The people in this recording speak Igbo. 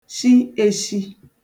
shi eshi